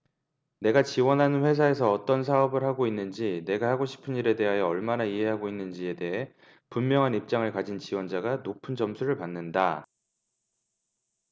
내가 지원하는 회사에서 어떤 사업을 하고 있는지 내가 하고 싶은 일에 대하여 얼마나 이해하고 있는지에 대해 분명한 입장을 가진 지원자가 높은 점수를 받는다